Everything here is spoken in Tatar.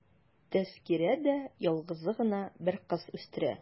Тәзкирә дә ялгызы гына бер кыз үстерә.